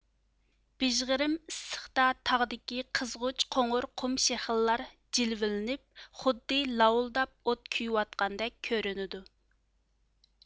بىژغىرىم ئىسسىقتا تاغدىكى قىزغۇچ قوڭۇر قۇم شېغىللار جىلۋىلىنىپ خۇددى ساۋۇلداپ ئوت كۈيىۋاتقاندەك كۆرۈنىدۇ